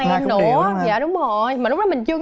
dạ đúng rồi mà lúc đó mình chưa